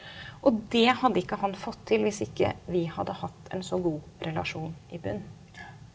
og det hadde ikke han fått til hvis ikke vi hadde hatt en så god relasjon i bunnen.